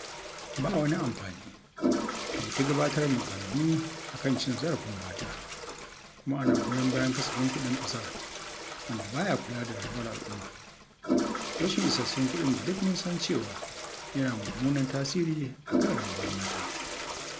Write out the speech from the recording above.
Ba wani amfani a yi ta gabatar da maganganu a kan cin zarafin mata kuma ana goyon bayan kasafin kuɗin ƙasa wanda ba ya kula da rayuwar al'umma, rashin isassun kuɗin da duk mun san cewa yana mummunan tasiri a kan rayuwar mata.